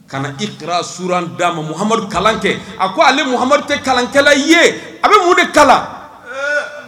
Ka na i kɛrara su d'a ma mu kalankɛ a ko ale mu tɛ kalankɛla ye a bɛ mun de kala